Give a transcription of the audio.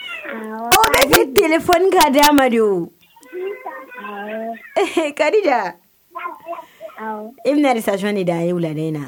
Ele fɔoni ka di amadu kari i bɛna satini da a ye laden na